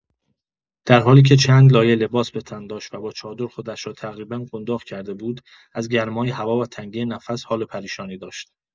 در حالی که چندلایه لباس‌به‌تن داشت و با چادر خودش را تقریبا قنداق کرده بود، از گرمای هوا و تنگی نفس حال پریشانی داشت.